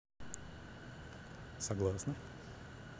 согласно